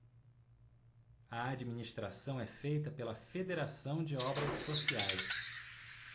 a administração é feita pela fos federação de obras sociais